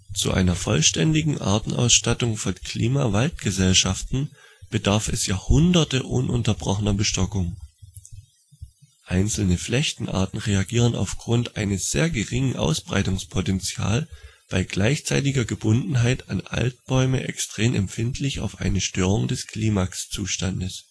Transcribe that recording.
Zu einer vollständigen Artenausstattung von Klimaxwaldgesellschaften bedarf es Jahrhunderte ununterbrochener Bestockung. Einzelne Flechtenarten reagieren aufgrund eines sehr geringen Ausbreitungspotentials bei gleichzeitiger Gebundenheit an Altbäume extrem empfindlich auf eine Störung des Klimaxzustandes